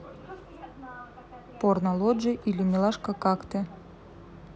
порно лоджии или милашка как ты